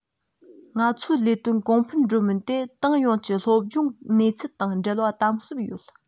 ང ཚོའི ལས དོན གོང འཕེལ འགྲོ མིན དེ ཏང ཡོངས ཀྱི སློབ སྦྱོང གནས ཚུལ དང འབྲེལ བ དམ ཟབ ཡོད